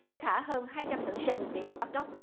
sẽ thả hơn hai trăm nữ sinh bị họ bắt cóc